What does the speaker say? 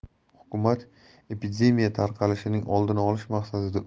hukumat epidemiya tarqalishining oldini olish maqsadida